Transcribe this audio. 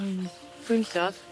Hmm. Pwy nillodd?